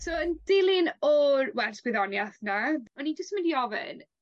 So yn dilyn o'r wers gwyddonieth 'na o'n i jys yn myn' i ofyn